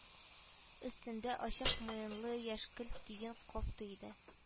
Өстендә ачык муенлы яшькелт йон кофта иде